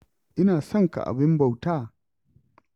Ina son ka abin bauta!